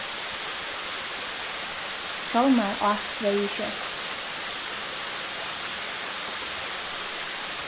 hjálmar át breyðið skjótt